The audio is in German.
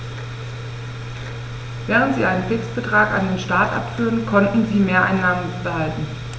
Während sie einen Fixbetrag an den Staat abführten, konnten sie Mehreinnahmen behalten.